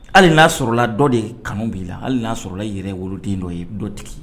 Hali n'a sɔrɔlala dɔ de kanu b' la hali n' a sɔrɔla yɛrɛ woloden dɔ ye dɔtigi